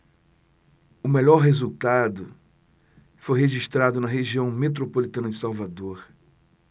o melhor resultado foi registrado na região metropolitana de salvador